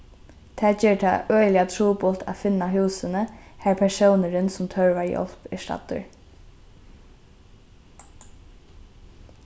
tað ger tað øgiliga trupult at finna húsini har persónurin sum tørvar hjálp er staddur